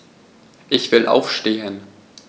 Ich will aufstehen.